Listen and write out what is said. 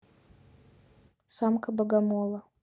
самка богомола